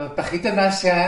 Yy bach dynas, ie?